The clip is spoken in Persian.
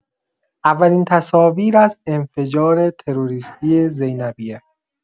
اولین تصاویر از انفجار تروریستی زینبیه